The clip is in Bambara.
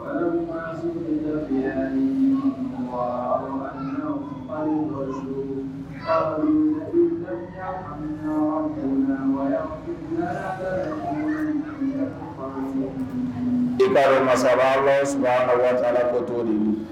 I saba saba saba wa fɔ to di